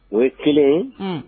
O ye 1 ye .